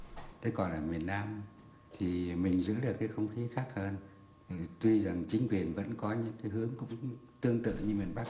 thế còn ở miền nam thì mình giữ được cái không khí khác hơn tuy rằng chính quyền vẫn có những cái hướng tương tự như miền bắc